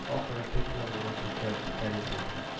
Ак ракеталар гына күккә күтәрелде